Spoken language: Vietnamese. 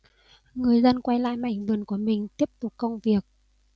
người dân quay lại mảnh vườn của mình tiếp tục công việc